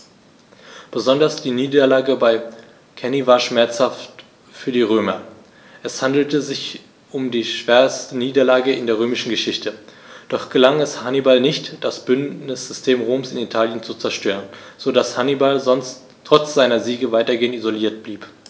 Besonders die Niederlage bei Cannae war schmerzhaft für die Römer: Es handelte sich um die schwerste Niederlage in der römischen Geschichte, doch gelang es Hannibal nicht, das Bündnissystem Roms in Italien zu zerstören, sodass Hannibal trotz seiner Siege weitgehend isoliert blieb.